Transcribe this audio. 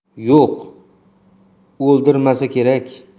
yo'q o'ldirmasa kerak